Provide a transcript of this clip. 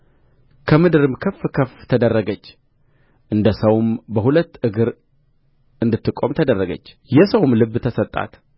ከምድርም ከፍ ከፍ ተደረገች እንደ ሰውም በሁለት እግር እንድትቆም ተደረገች የሰውም ልብ ተሰጣት